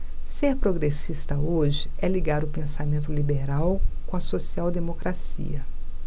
ser progressista hoje é ligar o pensamento liberal com a social democracia